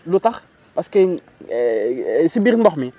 lu tax parce que si biir ndox mi